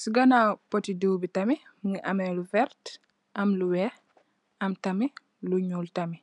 se ganaw pote deew be tamin muge ameh lu verte am lu weex am tamin lu nuul tamin.